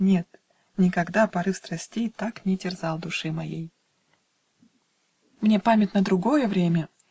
Нет, никогда порыв страстей Так не терзал души моей! Мне памятно другое время!